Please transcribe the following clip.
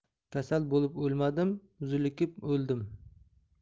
kasal bo'lib o'lmadim uzulikib o'ldim